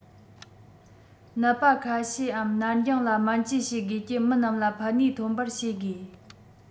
ནད པ ཁ ཤས འམ ནར འགྱངས ལ སྨན བཅོས བྱེད དགོས ཀྱི མི རྣམས ལ ཕན ནུས ཐོན པར བྱེད དགོས